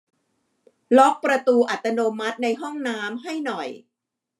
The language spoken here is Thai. ล็อกประตูอัตโนมัติในห้องน้ำให้หน่อย